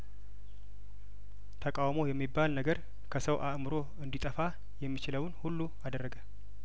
ተቃውሞ የሚባል ነገር ከሰው አእምሮ እንዲ ጠፋ የሚችለውን ሁሉ አደረገ